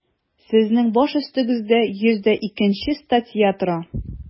Сезнең баш өстегездә 102 нче статья тора.